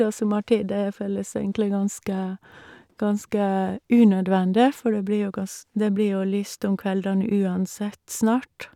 Og sommertid det føles egentlig ganske ganske unødvendig, for det blir jo gans det blir jo lyst om kveldene uansett snart.